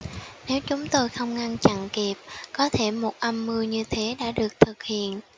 nếu chúng tôi không ngăn chặn kịp có thể một âm mưu như thế đã được thực hiện